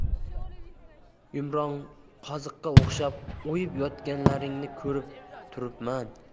yumronqoziqqa o'xshab o'yib yotganlaringni ko'rib turibman